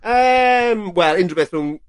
Yym wel unrywbeth rwng